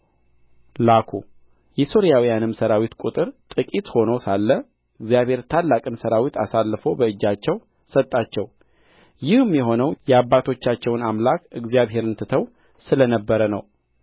ላኩ የሶርያውያንም ሠራዊት ቍጥር ጥቂት ሆኖ ሳለ እግዚአብሔር ታላቅን ሠራዊት አሳልፎ በእጃቸው ሰጣቸው ይህም የሆነው የአባቶቻቸውን አምላክ እግዚአብሔርን ትተው ስለ ነበረ ነው